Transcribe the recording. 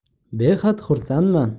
bexad xursandman